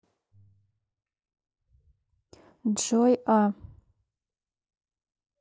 джой а